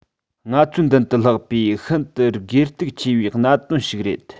ང ཚོའི མདུན དུ ལྷགས པའི ཤིན ཏུ དགོས གཏུག ཆེ བའི གནད དོན ཞིག རེད